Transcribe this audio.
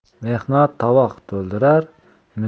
mehnat tovoq to'ldirar